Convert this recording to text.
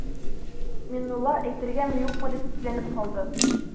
Миңнулла әйтергәме-юкмы дип икеләнеп калды.